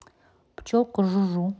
пчелка жу жу жу